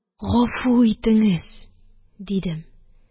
Гафу итеңез! – дидем,